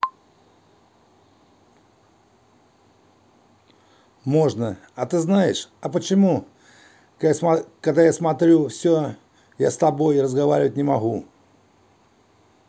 можно а ты знаешь а почему когда я смотрю все я с тобой разговаривать не могу